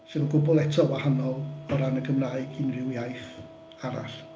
Sydd yn gwbl eto wahanol o ran y Gymraeg i unrhyw iaith arall.